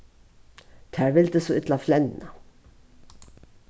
tær vildu so illa flenna